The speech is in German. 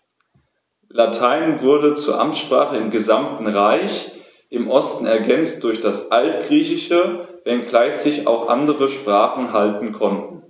Latein wurde zur Amtssprache im gesamten Reich (im Osten ergänzt durch das Altgriechische), wenngleich sich auch andere Sprachen halten konnten.